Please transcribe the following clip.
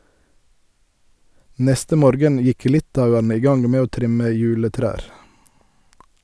Neste morgen gikk litauerne i gang med å trimme juletrær.